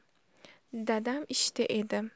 dadam ishda edi